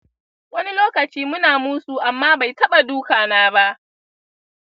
wani lokaci muna musu amma bai taba duka na ba.